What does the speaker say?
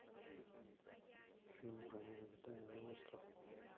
фильм про необитаемый остров